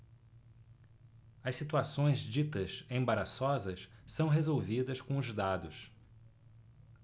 as situações ditas embaraçosas são resolvidas com os dados